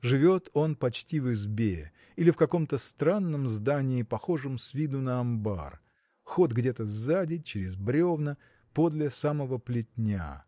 живет он почти в избе или в каком-то странном здании похожем с виду на амбар – ход где-то сзади через бревна подле самого плетня